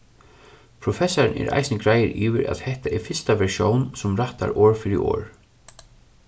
professarin er eisini greiður yvir at hetta er fyrsta versjón sum rættar orð fyri orð